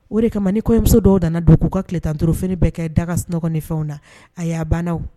O de kama ni kɔɲɔmuso dɔw nana don k'u ka k'u ka 10 trophée bɛɛ kɛ da ka kan ka sunɔgɔ ni fɛnw na, ayi , aa bana.